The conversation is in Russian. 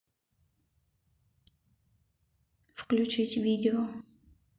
выключить видео